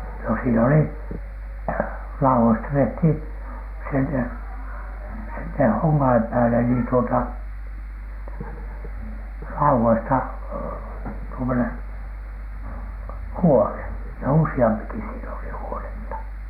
no siinä oli laudoista tehtiin sinne sitten honkien päälle niin tuota laudoista tuommoinen huone ja useampikin siinä oli huonetta